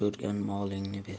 yomon ko'rgan molingni ber